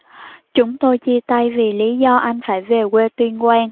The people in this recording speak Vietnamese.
chúng tôi chia tay vì lý do anh phải về quê tuyên quang